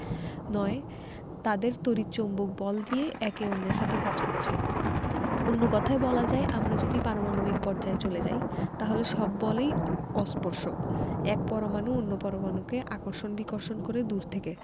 নয় তাদের তড়িৎ চৌম্বক বল দিয়ে একে অন্যের সাথে কাজ করছে অন্য কথায় বলা যায় আমরা যদি পারমাণবিক পর্যায়ে চলে যাই তাহলে সব বলই অস্পর্শক এক পরমাণু অন্য পরমাণুকে আকর্ষণ বিকর্ষণ করে দূর থেকে